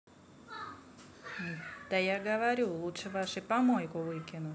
да я говорю лучше ваши помойку выкинуть